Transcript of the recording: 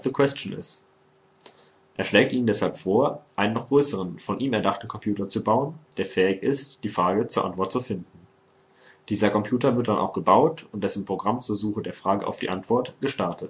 question is. “). Er schlägt ihnen deshalb vor, einen noch größeren, von ihm erdachten Computer zu bauen, der fähig ist, die Frage zur Antwort zu finden. Dieser Computer wird dann auch gebaut und dessen Programm zur Suche der Frage auf die Antwort gestartet. Wie